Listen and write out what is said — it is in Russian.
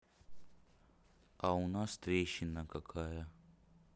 а у нас трещина какая